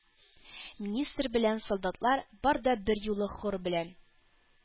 Министр белән солдатлар бар да берьюлы хор белән: